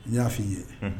N y'a fɔ' ii ye